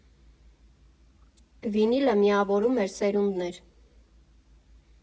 Վինիլը միավորում էր սերունդներ.